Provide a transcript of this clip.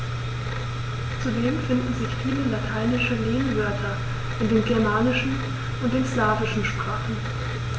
Zudem finden sich viele lateinische Lehnwörter in den germanischen und den slawischen Sprachen.